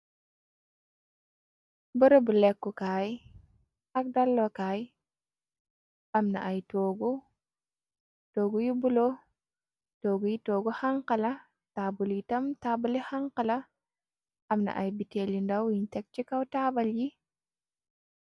Beerëbu lekkukaay ak dallokaay amna ay toogu yu bulo toogu y toogu xankala taabal yi tam taabali xankala amna ay bitéel yi ndaw yiñ tek ci kaw taabal yi.